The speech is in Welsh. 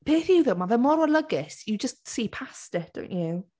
Peth yw though, mae fe mor olygus, you just see past it, don’t you?